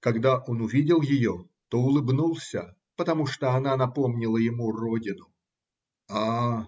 когда он увидел ее, то улыбнулся, потому что она напомнила ему родину. – А!